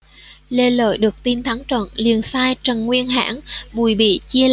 lê lợi được tin thắng trận liền sai trần nguyên hãn bùi bị chia